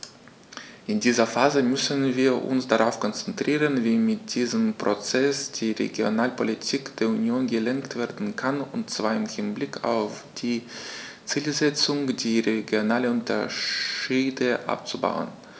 In dieser Phase müssen wir uns darauf konzentrieren, wie mit diesem Prozess die Regionalpolitik der Union gelenkt werden kann, und zwar im Hinblick auf die Zielsetzung, die regionalen Unterschiede abzubauen.